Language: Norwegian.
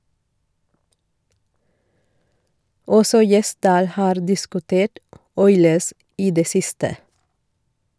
Også Gjesdal har diskutert Oilers i det siste.